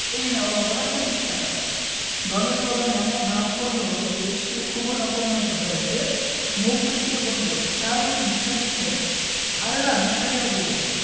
এই নাও বাবার পঁচিশ টাকা দলের প্রধান এমন ভাব করল যে সে খুবই অপমানিত হয়েছে মুখ বেঁকিয়ে বলল স্যার বুঝি ভিক্ষা দিচ্ছেন আরে না ভিক্ষা কেন দিব